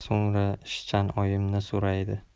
so'ngra ishchan oyimni so'raydi